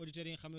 dëgg la dëgg la